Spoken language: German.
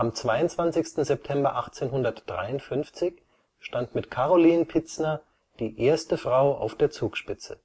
22. September 1853 stand mit Karoline Pitzner die erste Frau auf der Zugspitze